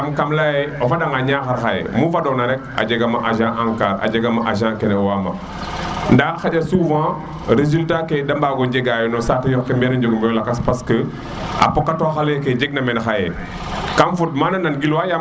kam leye o fadanga Niakhar xaye mu fado na rek ajega agent Ankar a jega ma agent kene o wa ma nda xaƴa souvent résultat ke de mbago njega no sate yoke mbera no njeng o mbiƴo lakay parce que pokatoxa leke jeg na mene xaye kam fod mana nan gil wa